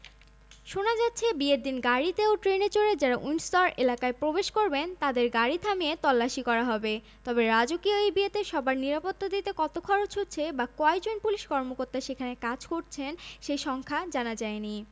কিন্তু হ্যারি ও মেগান আগেই জানিয়ে দিয়েছেন বিয়েতে তাঁরা কোনো উপহার নেবেন না কেউ যদি তাঁদের উপহার দিতেই চান তাহলে সেগুলো নির্দিষ্ট কয়েকটি দাতব্য প্রতিষ্ঠানে দান করে দেওয়ার অনুরোধ জানানো হয়েছে হ্যারি ও মেগান এ জন্য